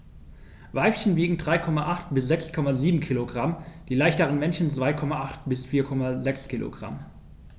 Weibchen wiegen 3,8 bis 6,7 kg, die leichteren Männchen 2,8 bis 4,6 kg.